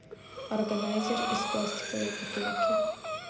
органайзер из пластиковой бутылки